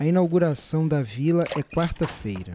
a inauguração da vila é quarta feira